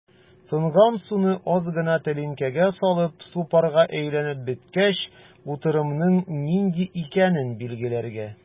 Тонган суны аз гына тәлинкәгә салып, су парга әйләнеп беткәч, утырымның нинди икәнен билгеләргә.